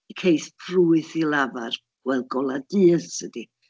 Ceith ffrwyth ei lafar gweld golau dydd, tydy.